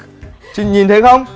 chị nhìn thấy không